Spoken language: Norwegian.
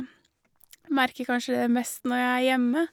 Merker kanskje det mest når jeg er hjemme.